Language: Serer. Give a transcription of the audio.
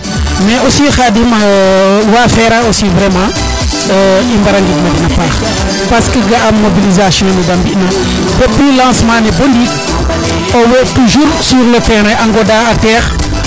mais aussi Khadim wa FERA aussi vraiment i mbara ngid ma den a paax parce que ga am mobilisation ne de mbi na depuis lancement ne bo ndiik owey toujours sur le terrain a ngoda a teex